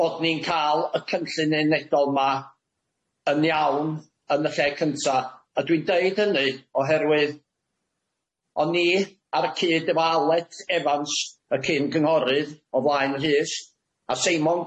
bod ni'n ca'l y cynllun unedol yma yn iawn yn y lle cynta a dwi'n deud hynny oherwydd o'n i ar y cyd efo Alet Evans y cyn gynghorydd o flaen Rhys a Seimon